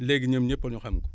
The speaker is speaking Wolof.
léegi ñoom ñépp ñu xam ko